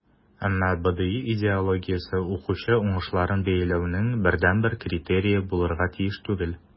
Әмма БДИ идеологиясе укучы уңышларын бәяләүнең бердәнбер критерие булырга тиеш түгел.